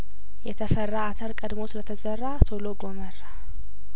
የተፈራ አተር ቀድሞ ስለተዘራ ቶሎ ጐመራ